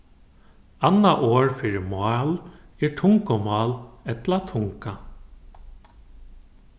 annað orð fyri mál er tungumál ella tunga